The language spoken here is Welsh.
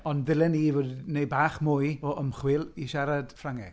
Ond ddylen i fod wedi wneud bach mwy o ymchwil i siarad Ffrangeg.